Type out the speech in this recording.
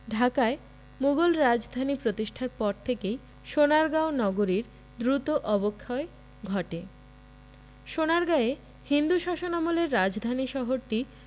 ঢাকায় মুগল রাজধানী প্রতিষ্ঠার পর থেকেই সোনারগাঁও নগরীর দ্রুত অবক্ষয় ঘটে সোনারগাঁয়ে হিন্দু শাসনামলের রাজধানী শহরটি